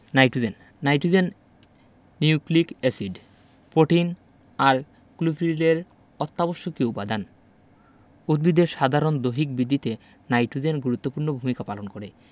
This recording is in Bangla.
nitrogen nitrogen nucleic acid protein আর ক্লোরোফিলের অত্যাবশ্যকীয় উপাদান উদ্ভিদের সাধারণ দৈহিক বৃদ্ধিতে নাইট্রোজেন গুরুত্বপূর্ণ ভূমিকা পালন করে